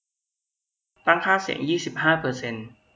ตั้งค่าเสียงยี่สิบห้าเปอร์เซนต์